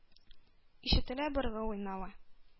Ишетелә быргы уйнавы.